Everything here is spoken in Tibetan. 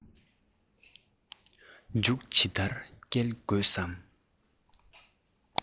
མཇུག ཇི ལྟར བསྐྱལ དགོས སམ